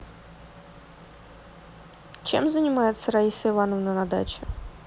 чем занимается раиса ивановна на даче